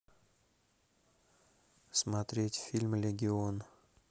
смотреть фильм легион